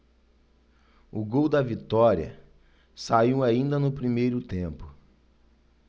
o gol da vitória saiu ainda no primeiro tempo